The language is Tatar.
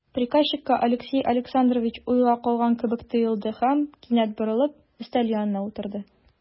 Приказчикка Алексей Александрович уйга калган кебек тоелды һәм, кинәт борылып, өстәл янына утырды.